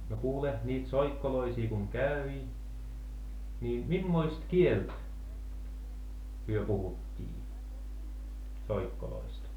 no kuule niitä soikkoloisia kun kävi niin mimmoista kieltä he puhuttiin soikkoloiset